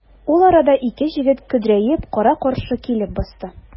Ул арада ике җегет көдрәеп кара-каршы килеп басты.